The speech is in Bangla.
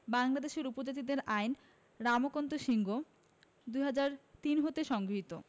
বাংলাদেশের উপজাতিদের আইন রামকান্ত সিংহ ২০০৩ হতে সংগৃহীত